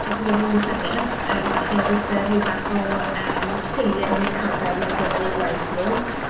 Gathon ni rywun llynedd, yym falle oedd isie ryw fath o yym seiliau mwy cadarn ar gyfer eu gwaith nhw.